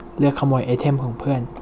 เลือกขโมยไอเทมของเพื่อน